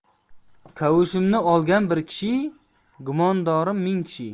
kavushimni olgan bir kishi gumondorim ming kishi